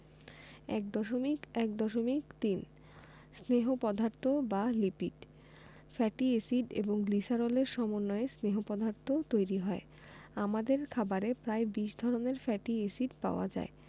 ১.১.৩ স্নেহ পদার্থ বা লিপিড ফ্যাটি এসিড এবং গ্লিসারলের সমন্বয়ে স্নেহ পদার্থ তৈরি হয় আমাদের খাবারে প্রায় ২০ ধরনের ফ্যাটি এসিড পাওয়া যায়